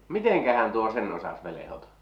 mitenkähän tuo sen osasi velhota